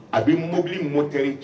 A bɛ mɔbili mo teri cɛ